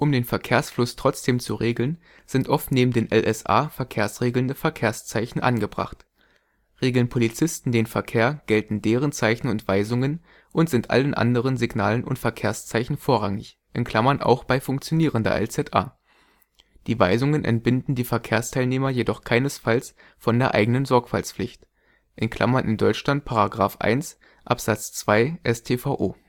den Verkehrsfluss trotzdem zu regeln, sind oft neben den LSA verkehrsregelnde Verkehrszeichen angebracht. Regeln Polizisten den Verkehr, gelten deren Zeichen und Weisungen und sind allen anderen Signalen und Verkehrszeichen vorrangig (auch bei funktionierender LZA). Die Weisungen entbinden die Verkehrsteilnehmer jedoch keinesfalls von der eigenen Sorgfaltspflicht (in Deutschland § 1 Abs. 2 StVO